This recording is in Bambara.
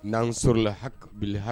N'an sɔrɔla la haeleha